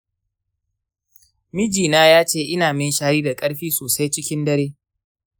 miji na yace ina minshari da ƙarfi sosai cikin dare.